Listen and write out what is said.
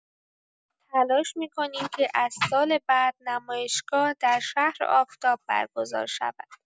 تلاش می‌کنیم که از سال بعد نمایشگاه در شهر آفتاب برگزار شود.